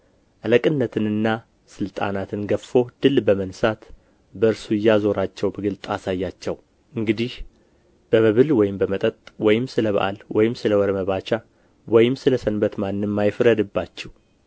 አለቅነትንና ሥልጣናትን ገፎ ድል በመንሣት በእርሱ እያዞራቸው በግልጥ አሳያቸው እንግዲህ በመብል ወይም በመጠጥ ወይም ስለ በዓል ወይም ስለ ወር መባቻ ወይም ስለ ሰንበት ማንም አይፍረድባችሁ